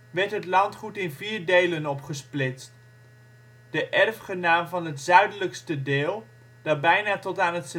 werd het landgoed in vier delen opgesplitst. De erfgenaam van het zuidelijkste deel (dat bijna tot aan het